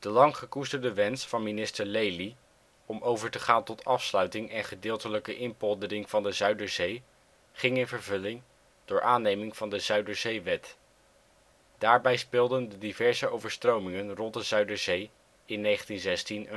lang gekoesterde wens van minister Lely om over te gaan tot afsluiting en gedeeltelijke inpoldering van de Zuiderzee ging in vervulling door aanneming van de Zuiderzeewet. Daarbij speelden de diverse overstromingen rond de Zuiderzee in 1916 een rol